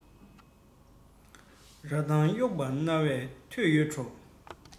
ར ཐང གཡོགས པ རྣ བས ཐོས ཡོད འགྲོ